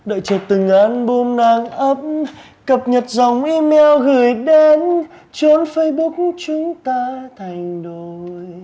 đợi chờ từng an bum nàng ắp cập nhập dòng i meo gửi đến chốn phây búc chúng ta thành đôi